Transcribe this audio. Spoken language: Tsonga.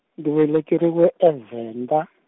ndzi velekeriwe e Venda.